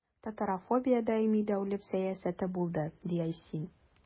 Татарофобия даими дәүләт сәясәте булды, – ди Айсин.